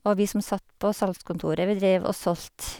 Og vi som satt på salgskontoret, vi dreiv og solgte.